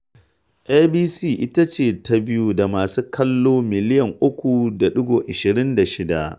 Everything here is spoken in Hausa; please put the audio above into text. ABC ita ce ta biyu da masu kallo miliyan 3.26.